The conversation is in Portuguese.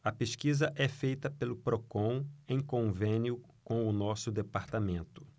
a pesquisa é feita pelo procon em convênio com o diese